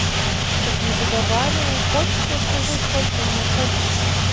так не заговаривай хочешь я скажу сколько у меня кубков